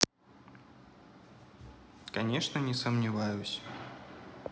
конечно не сомневаюсь